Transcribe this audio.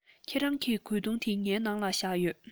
ཁྱེད རང གི གོས ཐུང ངའི ནང ལ བཞག ཡོད